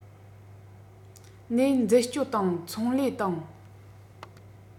ནས འཛད སྤྱོད དང ཚོང ལས དང